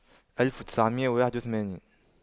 ألف وتسعمئة وواحد وثمانين